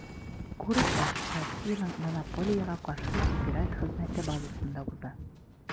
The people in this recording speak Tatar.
Курслар Россиянең Монополиягә каршы федераль хезмәте базасында уза.